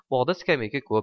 bog'da skameyka ko'p